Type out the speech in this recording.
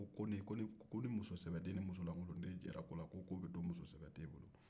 ko ni musosɛbɛden ni musolankolonden jɛra ko la ko ko bɛ to musosɛbɛden bolo